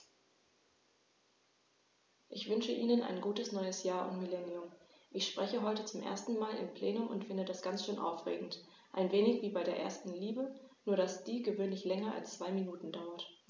Ich wünsche Ihnen ein gutes neues Jahr und Millennium. Ich spreche heute zum ersten Mal im Plenum und finde das ganz schön aufregend, ein wenig wie bei der ersten Liebe, nur dass die gewöhnlich länger als zwei Minuten dauert.